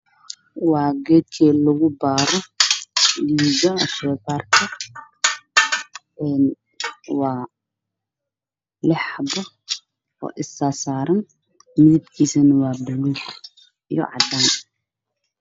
Waa geedka lugu baaro dhiiga ama shaybaarka waa lix xabo oo is dulsaaran midabkiisu waa buluug iyo cadaan.